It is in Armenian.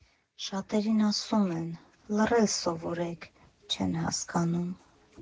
Շատերին ասում եմ՝ լռել սովորեք, չեն հասկանում։